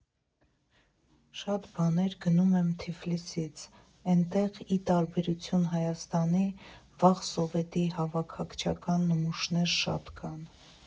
Շատ բաներ գնում եմ Թիֆլիսից, էնտեղ, ի տարբերություն Հայաստանի, վաղ Սովետի հավաքակչական նմուշներ շատ կան։